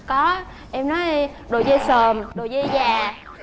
có em nói đồ dê xồm đồ dê già